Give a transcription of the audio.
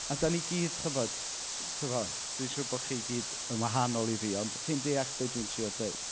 A dan ni gyd, chibod tibod, dwi'n siŵr bod chi i gyd yn wahanol i fi ond chi'n deall be dwi'n trio deud.